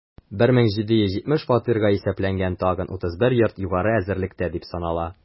1770 фатирга исәпләнгән тагын 31 йорт югары әзерлектә дип санала.